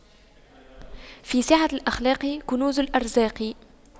في سعة الأخلاق كنوز الأرزاق